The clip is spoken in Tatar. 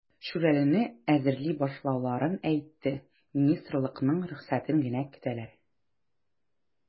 "шүрәле"не әзерли башлауларын әйтте, министрлыкның рөхсәтен генә көтәләр.